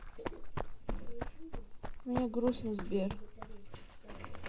мне грустно сбер